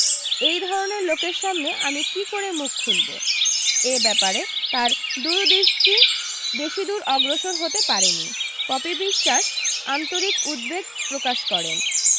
এই ধরণের লোকের সামনে আমি কী করে মুখ খুলবো এ ব্যাপারে তার দুরদৃষ্টি বেশিদূর অগ্রসর হতে পারে নি পপি বিশোয়াস আন্তরিক উদ্বেগ প্রকাশ করেন